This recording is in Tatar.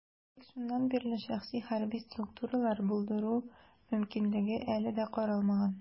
Тик шуннан бирле шәхси хәрби структуралар булдыру мөмкинлеге әле дә каралмаган.